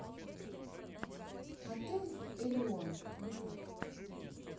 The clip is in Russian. отель элеон ютуб